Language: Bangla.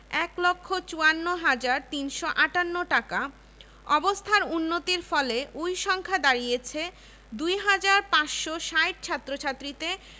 ১ লক্ষ ৫৪ হাজার ৩৫৮ টাকা অবস্থার উন্নতির ফলে ওই সংখ্যা দাঁড়িয়েছে ২ হাজার ৫৬০ ছাত্রছাত্রীতে